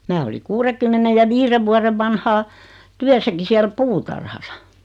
minä olin kuudenkymmenen ja viiden vuoden vanhaan työssäkin siellä puutarhassa